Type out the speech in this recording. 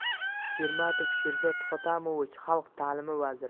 shermatov sherzod hotamovich xalq ta'limi vaziri